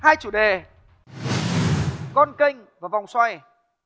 hai chủ đề con kênh và vòng xoay